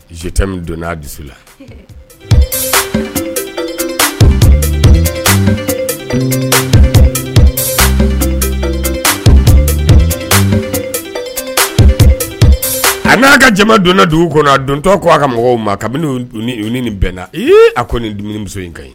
Ji donna a dusu la a n'a ka jama donna dugu kɔnɔ a dontɔ ko a ka mɔgɔw ma kabini u nin bɛnna a ko nin dumunimuso in ka ɲi